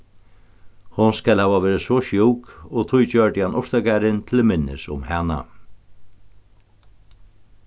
hon skal hava verið so sjúk og tí gjørdi hann urtagarðin til minnis um hana